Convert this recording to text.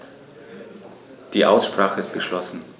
Die Aussprache ist geschlossen.